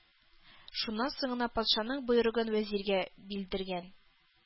Шуннан соң гына патшаның боерыгын вәзиргә белдергән.